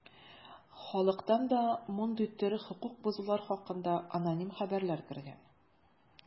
Халыктан да мондый төр хокук бозулар хакында аноним хәбәрләр кергән.